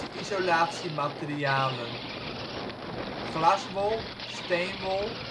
isolatiematerialen glaswol steenwol